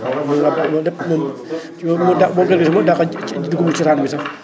mën ngaa def loolu lépp ci moo moo dà moo gën a riche moo dàq ci ci dugubu siraat mi sax